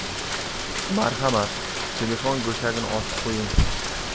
marhamat telefon go'shagini osib qo'ying